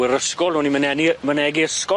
We'r ysgol o'n i myn' eni- mynegi ysgol...